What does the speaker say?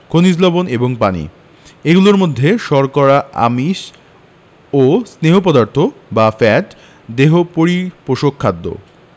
খনিজ লবন এবং পানি এগুলোর মধ্যে শর্করা আমিষ ও স্নেহ পদার্থ বা ফ্যাট দেহ পরিপোষক খাদ্য